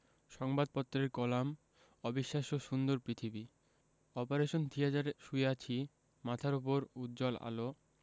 সংবাদপত্রের কলাম অবিশ্বাস্য সুন্দর পৃথিবী অপারেশন থিয়েটারে শুয়ে আছি মাথার ওপর উজ্জ্বল আলো